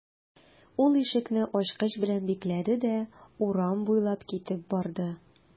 Ул ишекне ачкыч белән бикләде дә урам буйлап китеп барды.